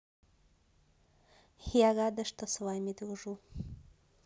я рада что с вами дружу